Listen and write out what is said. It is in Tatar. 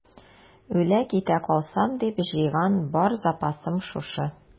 Үлә-китә калсам дип җыйган бар запасым шушы.